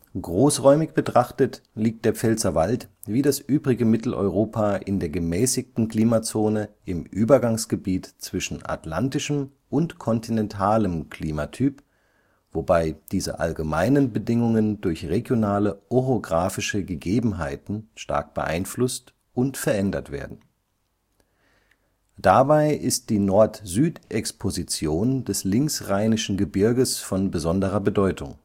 Großräumig betrachtet liegt der Pfälzerwald wie das übrige Mitteleuropa in der gemäßigten Klimazone im Übergangsgebiet zwischen atlantischem und kontinentalem Klimatyp, wobei diese allgemeinen Bedingungen durch regionale orographische Gegebenheiten (Landschaftsformen) stark beeinflusst und verändert werden. Dabei ist die Nord-Süd Exposition des linksrheinischen Gebirges von besonderer Bedeutung